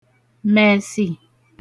mẹ̀sì